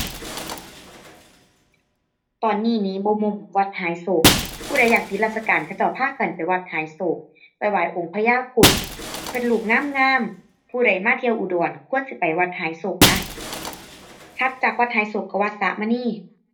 ตอนนี้นี่บ่ วัดหายโศก ผู้ใดอยากติดราชการเขาเจ้าพากันไปวัดหายโศก ไปไหว้องค์พญาครุฑ เพิ่นรูปงามงาม ผู้ใดมาเที่ยวอุดรควรสิไปวัดหายโศกนะ ถัดจากวัดหายโศกก็วัดสระมณี ⁠